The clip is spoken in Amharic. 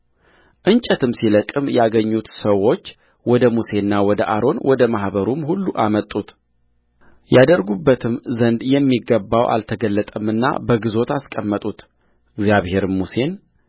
እንጨትም ሲለቅም ያገኙት ሰዎች ወደ ሙሴና ወደ አሮን ወደ ማኅበሩም ሁሉ አመጡትያደርጉበትም ዘንድ የሚገባው አልተገለጠምና በግዞት አስቀመጡትእግዚአብሔርም ሙሴን